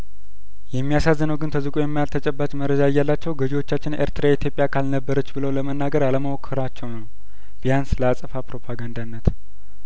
የሚያሳዝነው ግን ተዝቆ የማያልቅ ተጨባጭ መረጃ እያላቸው ገዥዎቻችን ኤርትራ የኢትዮጵያ አካል ነበረች ብለው ለመናገር አለመሞከራቸው ነው ቢያንስ ለአጸፋ ፕሮፓጋንዳነት